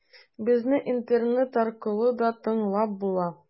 Безне интернет аркылы да тыңлап була.